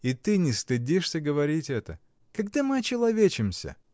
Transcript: — И ты не стыдишься говорить это! Когда мы очеловечимся!